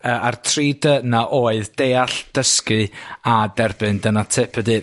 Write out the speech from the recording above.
Yy a'r tri dy 'na oedd deall, dysgu, a derbyn dyna tip y dydd...